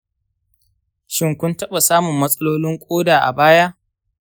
shin kun taɓa samun matsalolin ƙoda a baya?